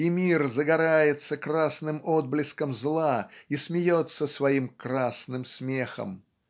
и мир загорается красным отблеском зла и смеется своим "красным смехом".